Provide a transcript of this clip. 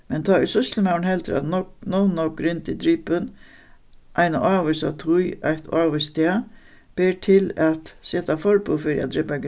men tá ið sýslumaðurin heldur at nógv nóg nógv grind er dripin eina ávísa tíð eitt ávíst stað ber til at seta forboð fyri at drepa